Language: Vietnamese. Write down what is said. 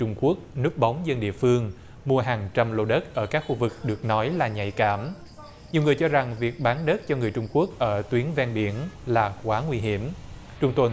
trung quốc núp bóng dân địa phương mua hàng trăm lô đất ở các khu vực được nói là nhạy cảm nhiều người cho rằng việc bán đất cho người trung quốc ở tuyến ven biển là quá nguy hiểm chúng tôi